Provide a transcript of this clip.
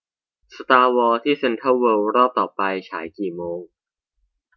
สตาร์วอร์ที่เซ็นทรัลเวิลด์รอบต่อไปฉายกี่โมง